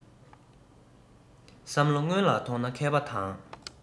བསམ བློ སྔོན ལ ཐོངས ན མཁས པ དང